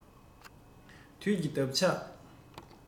དུས ཀྱི འདབ ཆགས